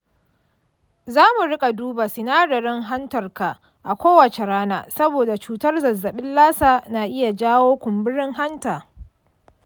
za mu rika duba sinadaran hantarka a kowace rana, saboda cutar zazzabin lassa na iya jawo kumburin hanta.